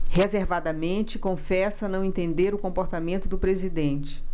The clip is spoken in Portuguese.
reservadamente confessa não entender o comportamento do presidente